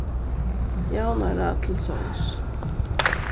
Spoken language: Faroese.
javnara til sós